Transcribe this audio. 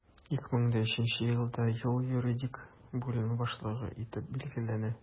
2003 елда ул юридик бүлек башлыгы итеп билгеләнә.